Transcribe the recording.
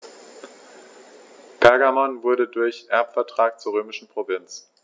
Pergamon wurde durch Erbvertrag zur römischen Provinz.